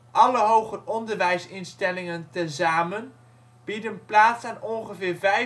alle hogeronderwijsinstellingen tezamen bieden plaats aan ongeveer 65.000